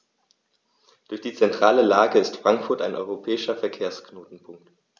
Durch die zentrale Lage ist Frankfurt ein europäischer Verkehrsknotenpunkt.